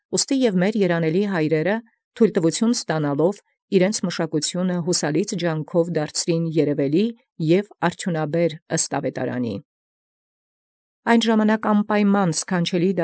Ուստի և երանելի հարցն մերոց համարձակութիւն առեալ՝ յուսալից փութով և երևելի և արդիւնակատար ըստ աւետարանին՝ զիւրեանց մշակութիւնն ցուցանեն։